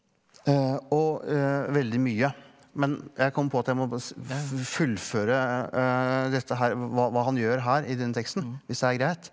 og veldig mye men jeg kom på at jeg må bare fullføre dette her hva hva han gjør her i denne teksten hvis det er greit.